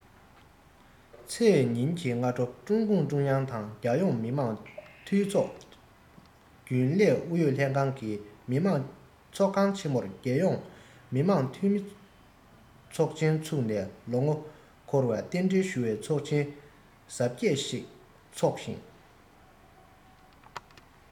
ཚེས ཉིན གྱི སྔ དྲོ ཀྲུང གུང ཀྲུང དབྱང དང རྒྱལ ཡོངས མི དམངས འཐུས ཚོགས རྒྱུན ལས ཨུ ཡོན ལྷན ཁང གིས མི དམངས ཚོགས ཁང ཆེ མོར རྒྱལ ཡོངས མི དམངས འཐུས མི ཚོགས ཆེན བཙུགས ནས ལོ ངོ འཁོར བར རྟེན འབྲེལ ཞུ བའི ཚོགས ཆེན གཟབ རྒྱས ཤིག འཚོགས ཤིང